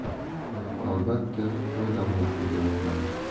oyim albatta choy damlab qo'ygan bo'ladi